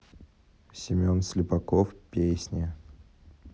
семен слепаков песни